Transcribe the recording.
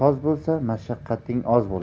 bo'lsa mashaqqating oz bo'lar